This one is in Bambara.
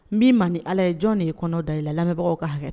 N b'i man ni ala ye jɔn de ye kɔnɔ da i la lamɛnbagaw ka hakɛ